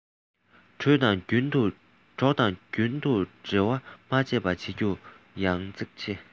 གྲོགས དང རྒྱུན དུ འབྲེལ བ མ ཆད པ བྱེད རྒྱུ ཡང གཙིགས ཆེ